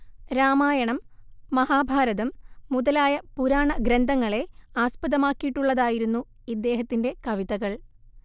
രാമായണം മഹാഭാരതം മുതലായ പുരാണഗ്രന്ഥങ്ങളെ ആസ്പദമാക്കിയിട്ടുള്ളതായിരുന്നു ഇദ്ദേഹത്തിന്റെ കവിതകൾ